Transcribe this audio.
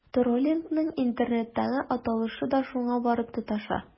Троллингның интернеттагы аталышы да шуңа барып тоташа.